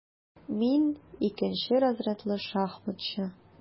Мин - икенче разрядлы шахматчы.